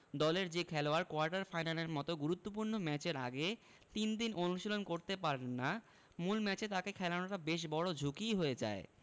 দলের যে খেলোয়াড় কোয়ার্টার ফাইনালের মতো গুরুত্বপূর্ণ ম্যাচের আগে তিন দিন অনুশীলন করতে পারেন না মূল ম্যাচে তাঁকে খেলানোটা বেশ বড় ঝুঁকিই হয়ে যায়